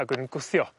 ag o' nw'n gwthio